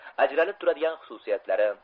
ajralib turadigan xususiyatlari